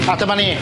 A dyma ni.